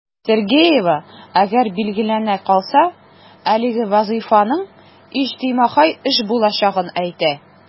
Сергеева, әгәр билгеләнә калса, әлеге вазыйфаның иҗтимагый эш булачагын әйтә.